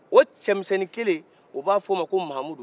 o cɛmisɛnnin kelen o b'a fɔ o man ko ko mamudu